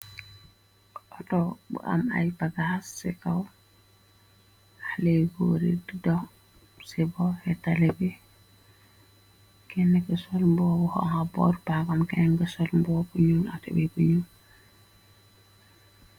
Otto bu am ay pagaxs ci kaw axlegore idox ci bo fetale bi. Kenn ki sol mboobu xoxa boru paagam kenn gi sol mboobu ñul atébi buñul.